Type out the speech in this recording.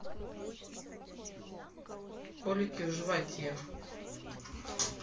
колики в животе